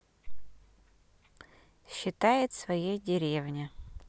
считает своей деревне